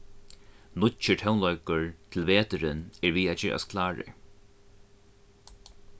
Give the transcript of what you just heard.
nýggjur tónleikur til veturin er við at gerast klárur